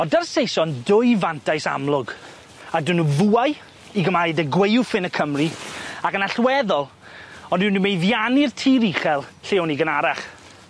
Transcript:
O'dd dy'r Saeson dwy fantais amlwg a 'dy nw fwâu i gymaru 'dy gwaywffyn y Cymru ac yn allweddol o'n nw'm ym meiddiannu'r tir uchel lle o'n ni gynnarach.